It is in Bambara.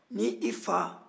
n'i fa